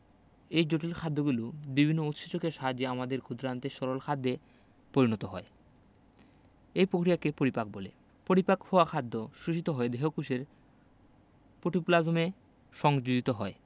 এই জটিল খাদ্যগুলো বিভিন্ন উৎসেচকের সাহায্যে আমাদের ক্ষুদ্রান্তে সরল খাদ্যে পরিণত হয় এই প্রক্রিয়াকে পরিপাক বলে পরিপাক হওয়া খাদ্য শোষিত হয়ে দেহকোষের প্রোটোপ্লাজমে সংযোজিত হয়